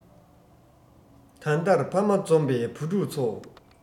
ད ལྟར ཕ མ འཛོམས པའི ཕྲུ གུ ཚོ